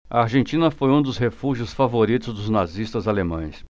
a argentina foi um dos refúgios favoritos dos nazistas alemães